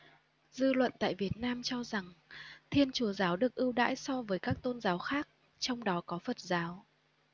dư luận tại việt nam cho rằng thiên chúa giáo được ưu đãi so với các tôn giáo khác trong đó có phật giáo